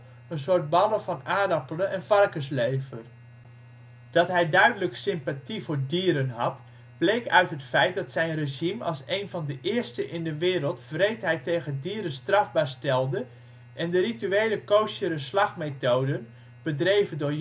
soort ballen van aardappelen en varkenslever. Dat hij duidelijk sympathie voor dieren had bleek uit het feit dat zijn regime als een van de eerste in de wereld wreedheid tegen dieren strafbaar stelde en de rituele koosjere slachtmethoden, bedreven door